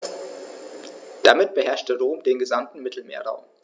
Damit beherrschte Rom den gesamten Mittelmeerraum.